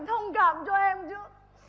thông cảm cho em nữa chứ